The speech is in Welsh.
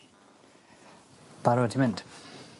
Barod i mynd.